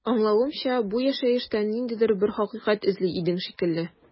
Аңлавымча, бу яшәештән ниндидер бер хакыйкать эзли идең шикелле.